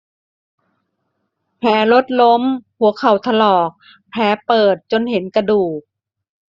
แผลรถล้มหัวเข่าถลอกแผลเปิดจนเห็นกระดูก